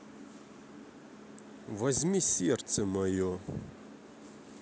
возьми сердце мое